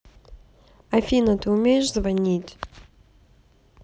афина ты умеешь звонить